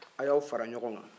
aw y'aw fara ɲɔgɔn kan